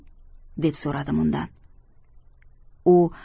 deb so'radim undan